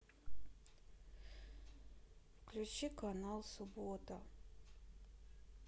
включи канал суббота